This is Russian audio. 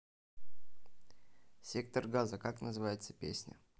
сектор газа как называется песня